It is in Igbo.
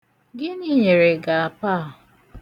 Gịnị nyere gị apa a?